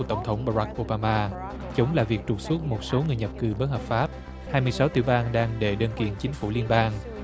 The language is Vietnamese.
của tổng thống ba rách ô ba ma chúng là việc trục xuất một số người nhập cư bất hợp pháp hai mươi sáu tiểu bang đang đệ đơn kiện chính phủ liên bang